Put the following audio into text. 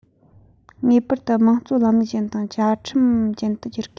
ངེས པར དུ དམངས གཙོ ལམ ལུགས ཅན དང བཅའ ཁྲིམས ཅན དུ འགྱུར དགོས